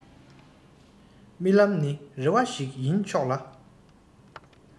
རྨི ལམ ནི རེ བ ཞིག ཡིན ཆོག ལ